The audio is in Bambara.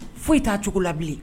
Foyi' cogo labila